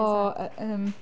O, yy yym...